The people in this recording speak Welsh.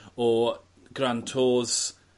o Grand Tours.